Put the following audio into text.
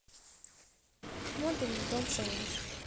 модульный дом шалаш